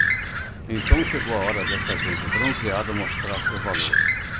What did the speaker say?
então chegou a hora desta gente bronzeada mostrar seu valor